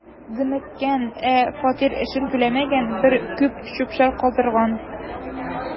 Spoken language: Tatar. „дөмеккән, ә фатир өчен түләмәгән, бер күч чүп-чар калдырган“.